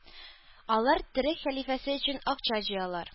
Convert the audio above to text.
Алар төрек хәлифәсе өчен акча җыялар